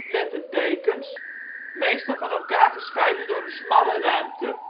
lettertekens, meestal van elkaar gescheiden door een smalle ruimte